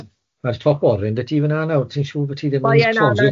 Ma'r top oren 'da ti fan'na nawr ti'n siŵr bo' ti ddim yn troi at Wolves? Na